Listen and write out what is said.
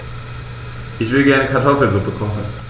Ich will gerne Kartoffelsuppe kochen.